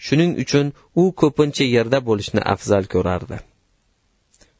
shuning uchun u ko'pincha yerda bo'lishni afzal ko'rardi